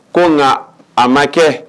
Ko nka a ma kɛ